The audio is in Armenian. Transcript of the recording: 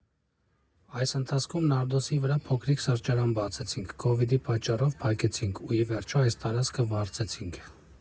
Այս ընթացքում Նար֊Դոսի վրա փոքրիկ սրճարան բացեցինք, քովիդի պատճառով փակեցինք, ու, ի վերջո, այս տարածքը վարձեցինք։